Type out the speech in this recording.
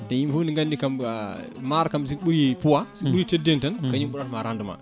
te yimɓe foof ne gandi kam a maaro kam si ɓuuri poids so ɓuuri teddedi tan kañum ɓuuratma rendement